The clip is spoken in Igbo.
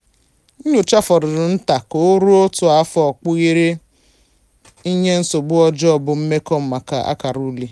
Nnyocha fọdụrụ nta ka o ruo otu afọ kpughere ihe nsogbu ọjọọ bụ "mmekọahụ maka ákàrà ule" na mahadum abụọ dị n'Ọdịdaanyanwụ Afịrịka: Mahadum nke Legọọsụ dị na Naịjirịa na Mahadum nke Ghana.